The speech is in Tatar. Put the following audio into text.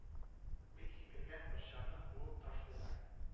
Бик сикергән борчаны уып ташлыйлар